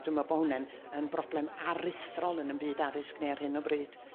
A dwi me'wl bo' hwnne'n yn broblem aruthrol yn y byd addysg ni ar hyn o bryd.